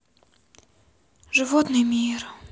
животный мир